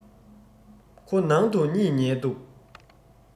ཁོ ནང དུ གཉིད ཉལ འདུག